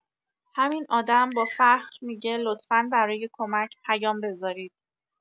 همین آدم با فخر می‌گه لطفا برای کمک پیام بزارید!